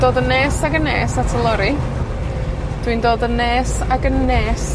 dod yn nes ag yn nes at y lori. Dwi'n dod yn nes ag yn nes